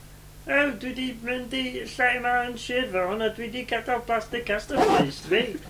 O dwi 'di mynd i lle 'ma yn Shir Fôn a dwi 'di gadal plaster cast o clust fi.